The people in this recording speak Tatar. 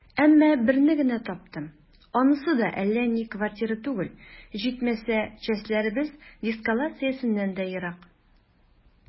Әмма берне генә таптым, анысы да әллә ни квартира түгел, җитмәсә, частьләребез дислокациясеннән дә ерак.